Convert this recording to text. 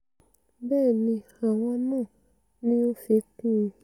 Bẹ́ẹ̀ni àwa náà,'' ni ó fi kún un.